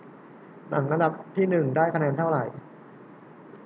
หนังอันดับที่หนึ่งได้คะแนนเท่าไหร่